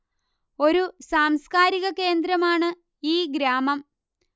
ഒരു സാംസ്കാരിക കേന്ദ്രമാണ് ഈ ഗ്രാമം